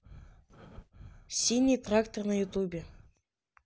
синий трактор на ютубе